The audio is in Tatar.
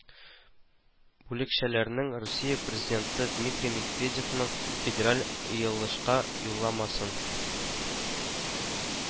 Бүлекчәләренең русия президенты дмитрий медведевның федераль ыелышка юлламасын